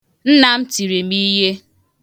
Nna m tiri m ihe.